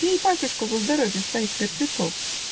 пей, батюшка, за здоровье своих мертвецов".